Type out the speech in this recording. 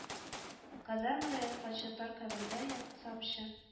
Казармада ятканчы тар кабердә ятсамчы